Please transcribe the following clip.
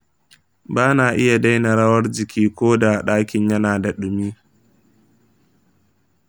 ba na iya daina rawar jiki ko da ɗakin yana da dumi.